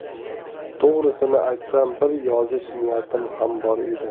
to'g'risini aytsam bir yozish niyatim ham bor edi